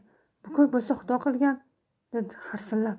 bukur bo'lsa xudo qilgan dedi harsillab